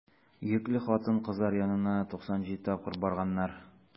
Йөкле хатын-кызлар янына 97 тапкыр барганнар.